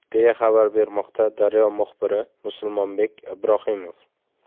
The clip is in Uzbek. qildi deya xabar bermoqda daryo muxbiri musulmonbek ibrohimov